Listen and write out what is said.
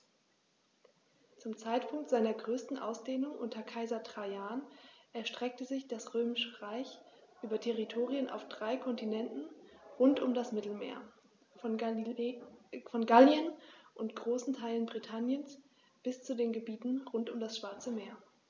Zum Zeitpunkt seiner größten Ausdehnung unter Kaiser Trajan erstreckte sich das Römische Reich über Territorien auf drei Kontinenten rund um das Mittelmeer: Von Gallien und großen Teilen Britanniens bis zu den Gebieten rund um das Schwarze Meer.